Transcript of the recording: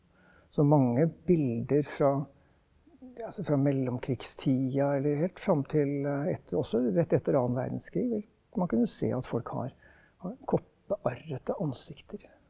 så mange bilder fra altså fra mellomkrigstida eller helt fram til også rett etter annen verdenskrig vil man kunne se at folk har har kopparrete ansikter.